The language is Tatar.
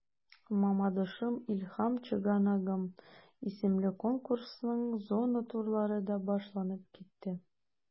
“мамадышым–илһам чыганагым” исемле конкурсның зона турлары да башланып китте.